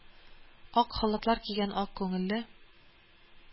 Ак халатлар кигән ак күңелле